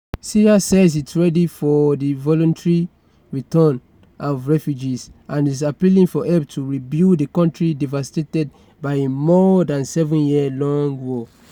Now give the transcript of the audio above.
Syria says it's ready for the voluntary return of refugees and is appealing for help to rebuild the country devastated by a more than seven-year long war.